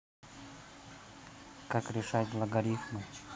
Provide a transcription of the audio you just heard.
как решать логарифмы